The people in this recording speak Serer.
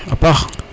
fo kene a paax